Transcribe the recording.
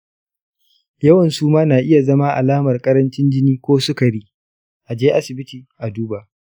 yawan suma na iya zama alamar ƙarancin jini ko sukari. a je asibiti a duba.